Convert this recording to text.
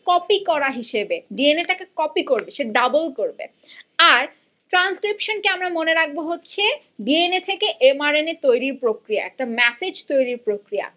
copy করা হিসেবে DNA টাকে কপি করবে সে ডাবল করবে আর ট্রানস্ক্রিপশন কে আমরা মনে রাখবো হচ্ছে ডিএনএ থেকে এম আর এন এ তৈরীর প্রক্রিয়া একটা মেসেজ তৈরীর প্রক্রিয়া